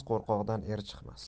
qo'rqoqdan er chiqmas